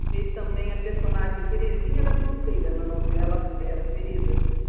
fez também a personagem terezinha da fronteira na novela fera ferida